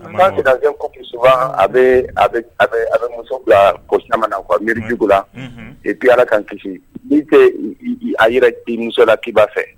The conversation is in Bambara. ' nɛgɛ kɔsa a bɛ a bɛ a bɛ muso bila ko caman ka miiritigiw la i bi ala kan kisi n' tɛ a yɛrɛ ji musola k kiba fɛ